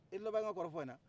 i dalen bɛ n ka kɔrɔfɔ in na